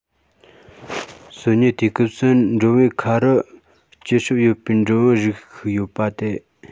གསོ ཉལ དུས སྐབས སུ འགྲོན བུའི ཁ རུ སྐྱི སྲབ ཡོད པའི འགྲོན བུ རིགས ཤིག ཡོད པ དེ